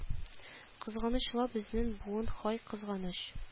Кызганыч ла безнең буын һай кызганыч